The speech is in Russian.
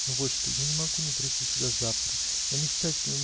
Но вот что: я не могу не прийти сюда завтра. Я мечтатель